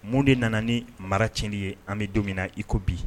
Mun de nana ni mara tiɲɛni ye an bɛ don min na i ko bi?